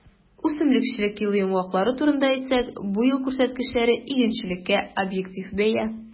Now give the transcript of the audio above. Үсемлекчелек елы йомгаклары турында әйтсәк, бу ел күрсәткечләре - игенчелеккә объектив бәя.